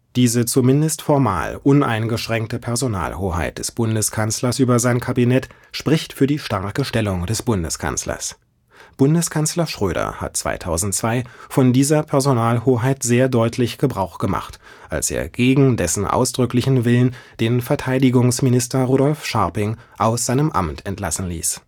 Diese zumindest formal uneingeschränkte Personalhoheit des Bundeskanzlers über sein Kabinett spricht für die starke Stellung des Bundeskanzlers. Bundeskanzler Schröder hat 2002 von dieser Personalhoheit sehr deutlich Gebrauch gemacht, als er gegen dessen ausdrücklichen Willen den Verteidigungsminister Rudolf Scharping aus seinem Amt entlassen ließ